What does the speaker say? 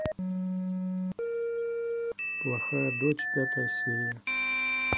плохая дочь пятая серия